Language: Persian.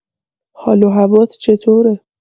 حال و هوات چطوره؟